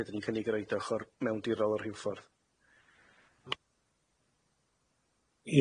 lle 'dan ni'n cynnig 'i roid o ochor mewndirol y rheilffordd.